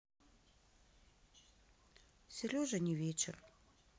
сереже не вечер